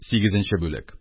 Сигезенче бүлек